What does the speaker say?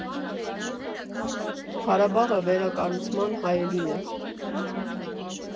Ղարաբաղը վերակառուցման հայելին է։